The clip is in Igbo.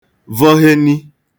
vọheni